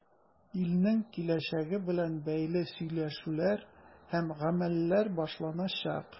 Илнең киләчәге белән бәйле сөйләшүләр һәм гамәлләр башланачак.